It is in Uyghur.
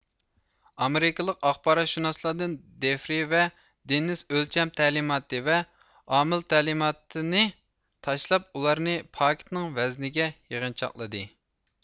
ئامېرىكىلىق ئاخباراتشۇناسلاردىن دېفرې ۋە دېننىس ئۆلچەم تەلىماتى ۋە ئامىل تەلىماتىنى تاشلاپ ئۇلارنى پاكىتنىڭ ۋەزنىگە يىغىنچاقلىدى